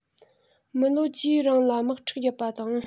མི ལོ བཅུའི རིང ལ དམག འཁྲུག བརྒྱབ པ དང